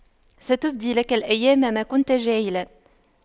ستبدي لك الأيام ما كنت جاهلا